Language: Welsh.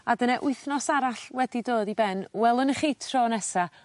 A dyne wythnos arall wedi dod i ben welwn ni chi tro nesa.